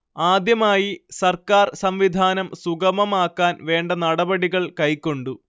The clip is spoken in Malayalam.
ആദ്യമായി സർക്കാർ സംവിധാനം സുഗമമാക്കാൻ വേണ്ട നടപടികൾ കൈക്കൊണ്ടു